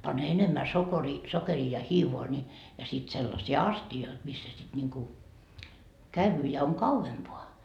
pani enemmän sokeria sokeria ja hiivaa niin ja sitten sellaisia astioita missä sitten niin kuin käy ja on kauempaan